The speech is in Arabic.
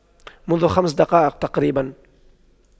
منذ خمس دقائق تقريبا